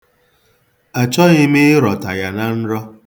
Achọghị m ịrọta ya na nrọ.